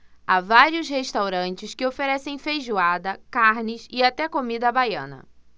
há vários restaurantes que oferecem feijoada carnes e até comida baiana